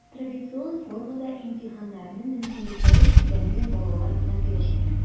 Традицион формада имтиханнарны мөмкинлекләре чикләнгән балалар гына бирәчәк.